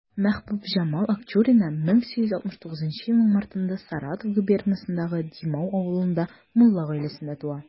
Мәхбүбҗамал Акчурина 1869 елның мартында Саратов губернасындагы Димау авылында мулла гаиләсендә туа.